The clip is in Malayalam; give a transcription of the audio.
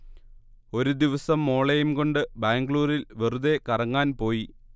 ഒരു ദിവസം മോളേയും കൊണ്ട് ബാംഗ്ലൂരിൽ വെറുതെ കറങ്ങാൻ പോയി